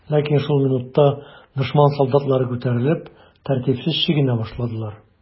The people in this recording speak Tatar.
Ләкин шул минутта дошман солдатлары күтәрелеп, тәртипсез чигенә башладылар.